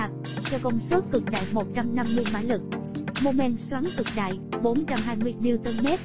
cho công suất cực đại ps mômen xoắn cực đại n m